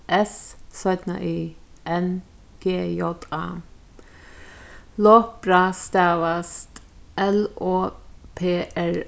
s y n g j a lopra stavast l o p r